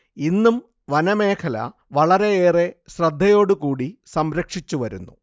ഇന്നും വനമേഖല വളരെയേറെ ശ്രദ്ധയോടുകൂടി സംരക്ഷിച്ചു വരുന്നു